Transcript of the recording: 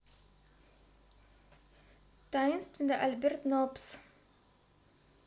таинственный альберт ноббс